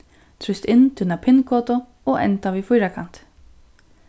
trýst inn tína pin-kodu og enda við fýrakanti